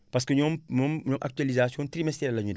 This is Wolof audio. parce que ñoom moom ñoom actualisation trimestrielle la ñuy def